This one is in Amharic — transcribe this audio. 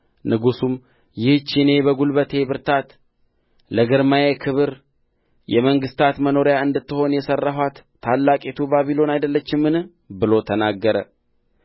ንጉሡም ይህች እኔ በጕልበቴ ብርታት ለግርማዬ ክብር የመንግሥት መኖሪያ እንድትሆን ያሠራኋት ታላቂቱ ባቢሎን አይደለችምን ብሎ ተናገረ